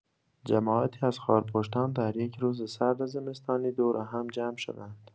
جماعتی از خارپشتان در یک روز سرد زمستانی دور هم جمع شدند.